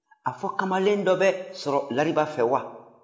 a fɔ kamalen dɔ bɛ sɔrɔ lariba fɛ wa